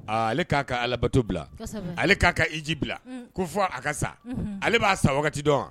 Aaa ale k'a ka alabato bila ale k'a ka iji bila ko fɔ a ka sa ale b'a sa wagati dɔn wa